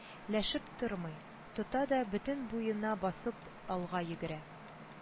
Ләшеп тормый, тота да бөтен буена басып алга йөгерә